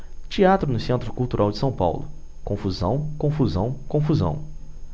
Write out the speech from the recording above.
teatro no centro cultural são paulo confusão confusão confusão